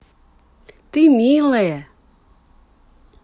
ты милая